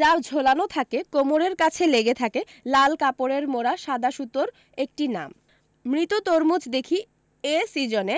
যা ঝোলানো থাকে কোমরের কাছে লেগে থাকে লাল কাপড়ে মোড়া সাদা সুতোর একটি নাম মৃত তরমুজ দেখি এ সীজনে